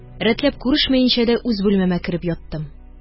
Рәтләп күрешмәенчә дә үз бүлмәмә кереп яттым